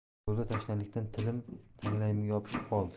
yo'lda tashnalikdan tilim tanglayimga yopishib qoldi